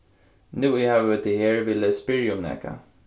nú eg havi teg her vil eg spyrja um nakað